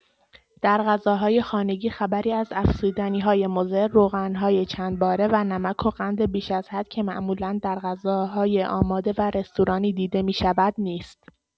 در غذاهای خانگی خبری از افزودنی‌های مضر، روغن‌های چندباره و نمک و قند بیش از حد که معمولا در غذاهای آماده و رستورانی دیده می‌شود نیست.